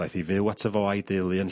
...ddaeth i fyw at y fo a'i deulu yn...